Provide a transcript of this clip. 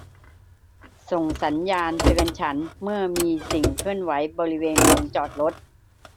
ส่งสัญญาณเตือนฉันเมื่อมีสิ่งเคลื่อนไหวบริเวณโรงจอดรถ